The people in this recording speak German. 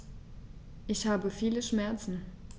Ich habe viele Schmerzen.